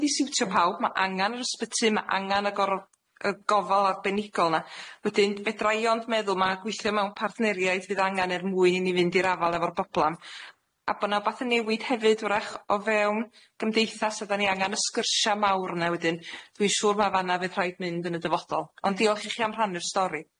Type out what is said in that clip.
Ma' angan yr ysbyty ma' angan y gor- y gofal arbenigol 'na wedyn fedra i ond meddwl ma' gweithio mewn partneriaeth fydd angan er mwyn i fynd i'r afal efo'r broblam a bo' 'na wbath yn newid hefyd 'w'rach o fewn gymdeithas a da ni angan y sgyrsia mawr yna wedyn dwi'n siŵr ma' fanna fydd rhaid mynd yn y dyfodol ond diolch i chi am rhannu'r stori.